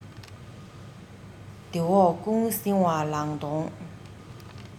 དེ འོག ཀོང སྲིང བ ལང དོང